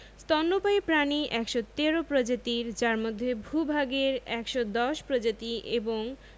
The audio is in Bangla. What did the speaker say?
স্তন্যপায়ী প্রাণী ১১৩ প্রজাতির যার মধ্যে ভূ ভাগের ১১০ প্রজাতি এবং